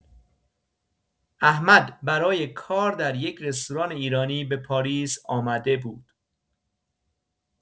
احمد برای کار در یک رستوران ایرانی به پاریس آمده بود.